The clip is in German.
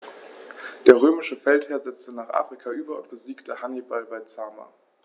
Der römische Feldherr setzte nach Afrika über und besiegte Hannibal bei Zama.